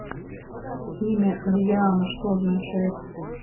имя лилиана что означает